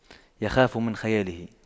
يخاف من خياله